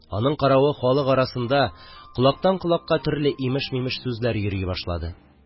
Аның каравы, халык арасында колактан-колакка төрле имеш-мимеш сүзләр йөри башлады: